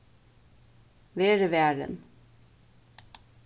verið varin